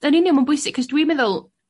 Yn union ma'n bwysig 'c'os dwi meddwl